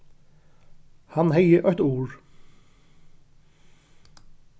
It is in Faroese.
hann hevði eitt ur